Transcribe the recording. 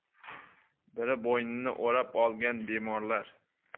biri bo'ynini o'rab olgan bemorlar